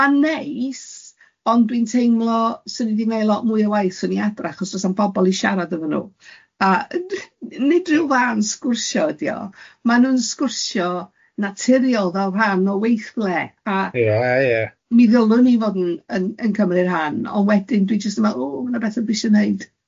Ma'n neis, ond dwi'n teimlo swn i di wneud lot mwy o waith swn i adra, achos does na'm bobl i siarad efo nhw, a n- n- nid ryw fân sgwrsio ydio, ma nhw'n sgwrsio naturiol fel rhan o weithle a...Ia ia. ...mi ddylwn i fod yn yn cymryd rhan ond wedyn dwi jyst yn meddwl o ma' na bethe dwisio wneud so.